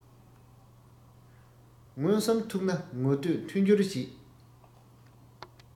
མངོན སུམ ཐུག ན ངོ བསྟོད མཐུན འགྱུར བྱེད